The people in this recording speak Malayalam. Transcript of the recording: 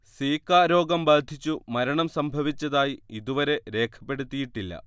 സികാ രോഗം ബാധിച്ചു മരണം സംഭവിച്ചതായി ഇതുവരെ രേഖപ്പെടുത്തിയിട്ടില്ല